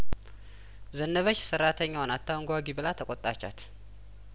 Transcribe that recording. ዘነበች ሰራተኛዋን አታንጓጉ ብላ ተቆጣቻት